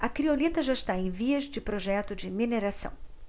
a criolita já está em vias de projeto de mineração